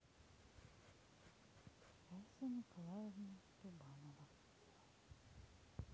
раиса николаевна тубанова